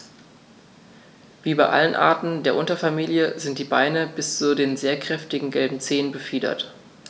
Wie bei allen Arten der Unterfamilie sind die Beine bis zu den sehr kräftigen gelben Zehen befiedert.